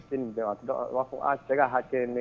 A tɛ se ni bɛɛ ma, donc u b'a fɔ cɛ ka hakɛ ye